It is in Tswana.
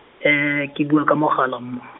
ke bua ka mogala mm-.